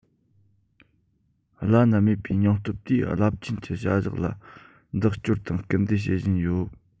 བླ ན མེད པའི སྙིང སྟོབས དེས རླབས ཆེན གྱི བྱ གཞག ལ འདེགས སྐྱོར དང སྐུལ འདེད བྱེད བཞིན ཡོད